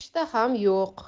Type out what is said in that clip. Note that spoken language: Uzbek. ishtaham yo'q